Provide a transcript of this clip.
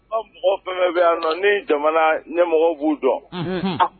Aw mɔgɔ fɛn bɛɛ bɛ yan ni jamana ɲɛmɔgɔ b'u dɔn, unhun.